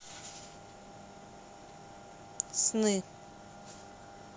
сны